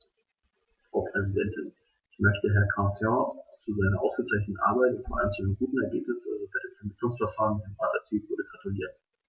Frau Präsidentin, ich möchte Herrn Cancian zu seiner ausgezeichneten Arbeit und vor allem zu dem guten Ergebnis, das bei dem Vermittlungsverfahren mit dem Rat erzielt wurde, gratulieren.